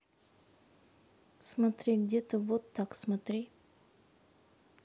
смотри где то вот так смотри